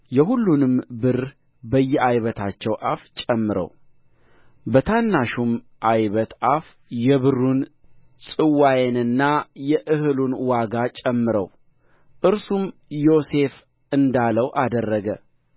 የሁሉንም ብር በየዓይበታቸው አፍ ጨምረው በታናሹም ዓይበት አፍ የብሩን ጽዋዬንና የእህሉን ዋጋ ጨምረው እርሱም ዮሴፍ እንዳለው አደረገ